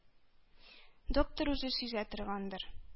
Доктор үзе сизә торгандыр.